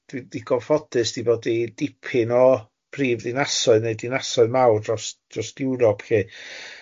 dwi digon ffodus di bod i dipyn o prifdiansoedd neu dinasoedd mawr dros Europe lly.